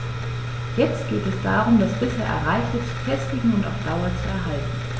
Jetzt geht es darum, das bisher Erreichte zu festigen und auf Dauer zu erhalten.